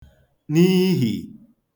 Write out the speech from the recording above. n'ihì